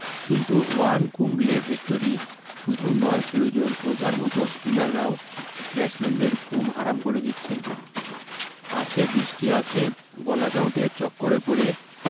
কিন্তু Warne Kumble Vettori শুধু নয় প্রয়োজন ওঝার মত স্পিনাররাও ব্যাটসম্যানদের ঘুম হারাম করে দিচ্ছেন আছে বৃষ্টি আছে বল্যাকাউটের চক্করে পড়ে